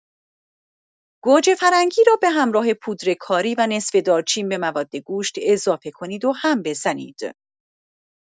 گوجه‌فرنگی را به همراه پودر کاری و نصف دارچین به مواد گوشت اضافه کنید و هم بزنید.